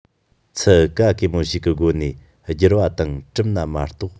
ཚད གེ མོ ཞིག གི སྒོ ནས བསྒྱུར པ དང གྲུབ ན མ གཏོགས